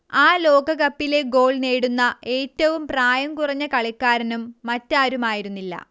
ആ ലോകകപ്പിലെ ഗോൾ നേടുന്ന ഏറ്റവും പ്രായം കുറഞ്ഞ കളിക്കാരനും മറ്റാരുമായിരുന്നില്ല